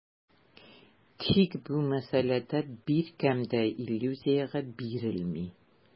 Тик бу мәсьәләдә беркем дә иллюзиягә бирелми.